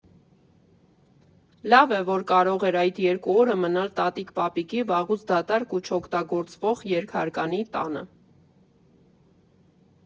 Լավ է, որ կարող էր այդ երկու օրը մնալ տատիկ֊պապիկի վաղուց դատարկ ու չօգտագործվող երկհարկանի տանը։